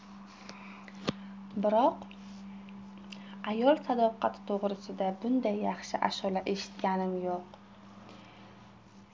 biroq ayol sadoqati to'g'risida bundan yaxshi ashula eshitganim yo'q